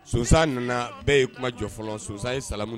Sonsan nana bɛɛ ye kuma jɔ fɔlɔ sonsan ye salamu